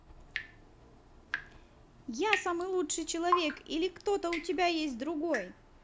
я самый лучший человек или кто то у тебя есть другой